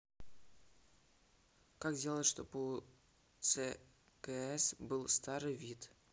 как сделать чтобы у cs был старый вид